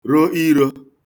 ro irō